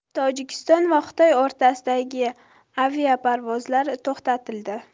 tojikiston va xitoy o'rtasidagi aviaparvozlar to'xtatildi